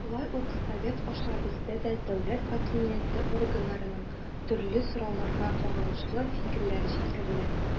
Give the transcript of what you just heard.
Шулай ук Совет аша безгә дә дәүләт хакимияте органнарының төрле сорауларга кагылышлы фикерләре җиткерелә.